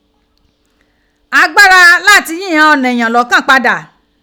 Agbara lati yii ighan oniyan lokan pada.